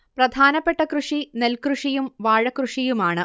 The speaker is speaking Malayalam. പ്രധാനപ്പെട്ട കൃഷി നെൽകൃഷിയും വാഴകൃഷിയും ആണ്